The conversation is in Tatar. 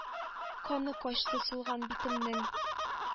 Каны качты сулган битемнең.